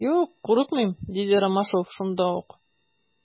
Юк, курыкмыйм, - диде Ромашов шунда ук.